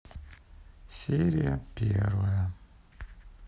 серия первая